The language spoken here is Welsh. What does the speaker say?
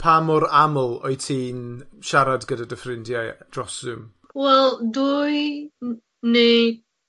pa mor aml wyt ti'n siarad gyda dy ffrindiau dro Zoom? Wel dwy m- ni